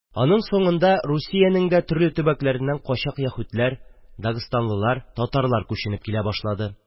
Аның соңында Русиянең дә төрле төбәкләреннән качак яһүдләр, дагстанлылар, татарлар күченеп килә башлады.